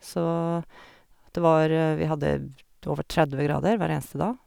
Så det var vi hadde over tredve grader hver eneste dag.